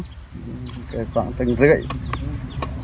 khoảng tấn rưỡi